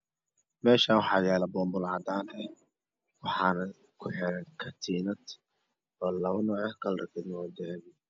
Meeshaan waxaa yaalo boombale cadaan ah waxaana ku xiran katiinad oo labo nooc ah kalarkeeduna dahabi